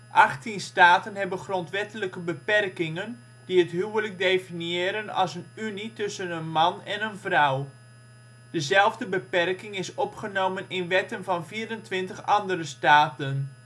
Achttien staten hebben grondwettelijke beperkingen die het huwelijk definiëren als een unie tussen een man en een vrouw; dezelfde beperking is opgenomen in wetten van vierentwintig andere staten